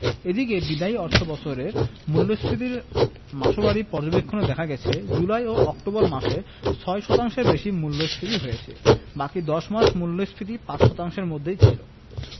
এদিকে বিদায়ী অর্থবছরের মূল্যস্ফীতির মাসওয়ারি পর্যবেক্ষণে দেখা গেছে জুলাই ও অক্টোবর মাসে ৬ শতাংশের বেশি মূল্যস্ফীতি হয়েছে বাকি ১০ মাস মূল্যস্ফীতি ৫ শতাংশের মধ্যেই ছিল